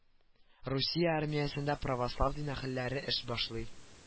Русия армиясендә православ дин әһелләре эш башлый